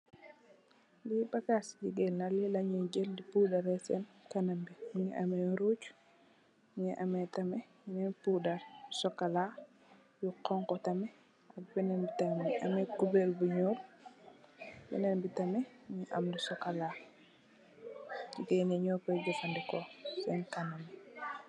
Lii bagassi gigain la, lii la njui jeul dii poudahreh sehn kanam bii, mungy ameh ruujj, mungy ameh tamit benen poudahrr chocolat, lu honhu tamit ak benen tamit, ameh couberre bu njull, benen bii tamit mungy am lu chocolat, gigain njee njur koi jeufandehkor sehn kanam bii.